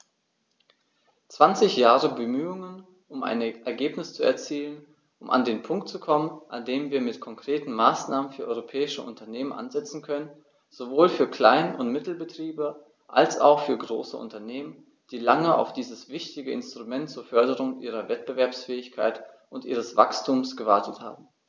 Zwanzig Jahre Bemühungen, um ein Ergebnis zu erzielen, um an den Punkt zu kommen, an dem wir mit konkreten Maßnahmen für europäische Unternehmen ansetzen können, sowohl für Klein- und Mittelbetriebe als auch für große Unternehmen, die lange auf dieses wichtige Instrument zur Förderung ihrer Wettbewerbsfähigkeit und ihres Wachstums gewartet haben.